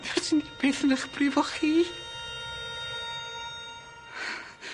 Fyswn i byth yn 'ych brifo chi?